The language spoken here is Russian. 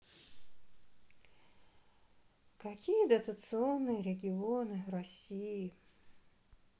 какие дотационные регионы в россии